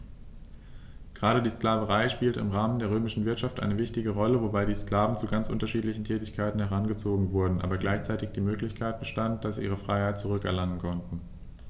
Gerade die Sklaverei spielte im Rahmen der römischen Wirtschaft eine wichtige Rolle, wobei die Sklaven zu ganz unterschiedlichen Tätigkeiten herangezogen wurden, aber gleichzeitig die Möglichkeit bestand, dass sie ihre Freiheit zurück erlangen konnten.